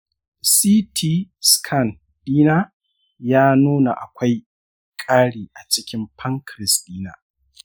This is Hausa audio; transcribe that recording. ct scan dina ya nuna akwai ƙari a cikin pancreas dina.